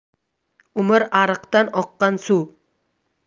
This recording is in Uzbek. umr ariqdan oqqan suv